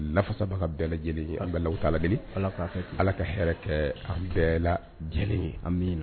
Lafasaba ka bɛɛ lajɛlen a bɛɛ u ta lajɛlen ala'a fɛ ala ka hɛrɛ kɛ an bɛɛ lajɛlen an min na